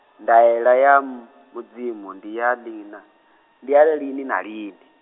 ndaela ya m-, Mudzimu ndi ya lina, ndi ya lini na lini.